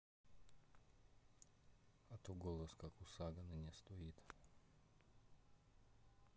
а то голос как у сагана не стоит